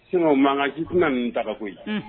Se makan ji tɛna nin tagako koyi